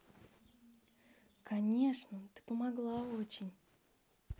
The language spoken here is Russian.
конечно ты помогла очень